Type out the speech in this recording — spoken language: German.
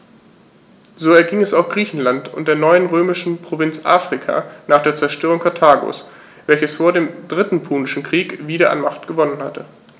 So erging es auch Griechenland und der neuen römischen Provinz Afrika nach der Zerstörung Karthagos, welches vor dem Dritten Punischen Krieg wieder an Macht gewonnen hatte.